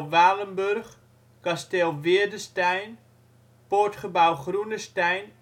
Walenburg Kasteel Weerdesteijn Poortgebouw Groenesteijn